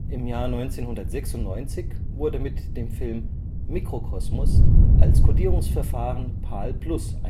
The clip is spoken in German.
1996 wurde mit dem Film „ Mikrokosmos “als Kodierungsverfahren PAL+